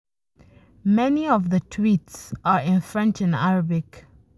Many of the tweets are in French and Arabic.